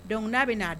Dɔnku n'a bɛ na